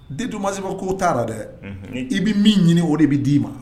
Dédommagement ko ta la dɛ Unhun. i bi min ɲini o de bi di ma